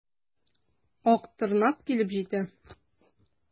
Актырнак килеп җитә.